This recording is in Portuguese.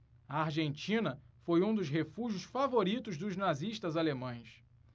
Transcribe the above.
a argentina foi um dos refúgios favoritos dos nazistas alemães